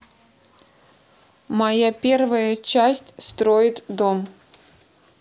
моя первая часть строит дом